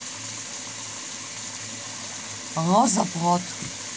лоза плот